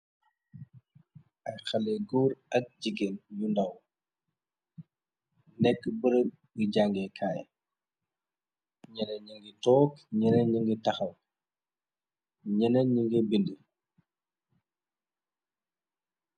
Ay haley góor ak jigéen yu ndaw, nekk bërëg ngi jàngeekaay ñëlè nungi doog ñëlè nungi tahaw nëlè nungi bind.